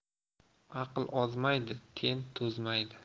aql ozmaydi ten to'zmaydi